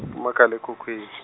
umakhal' ekhukhukhwini.